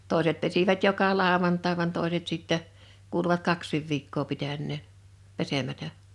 toiset pesivät joka lauantai vaan toiset sitten kuuluvat kaksikin viikkoa pitäneen pesemättä